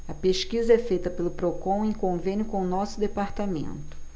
a pesquisa é feita pelo procon em convênio com o diese